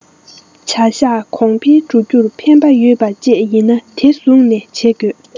བྱ གཞག གོང འཕེལ འགྲོ རྒྱུར ཕན པ ཡོད པ བཅས ཡིན ན དེ བཟུང ནས བྱེད དགོས